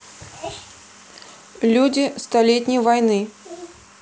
люди столетней войны